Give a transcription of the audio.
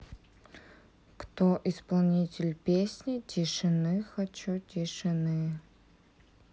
кто исполнитель песни тишины хочу тишины